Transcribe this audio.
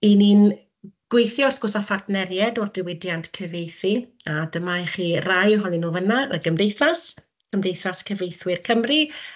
'y ni'n gweithio wrth gwrs â phartneriaid o'r diwydiant cyfieithu a dyma i chi rai ohonyn nhw fana. Y Gymdeithas, Cymdeithas Cyfeithwyr Cymru.